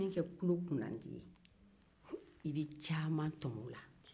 n'i kɛra tulo kunnadi ye i bɛ caman tɔmɔ o la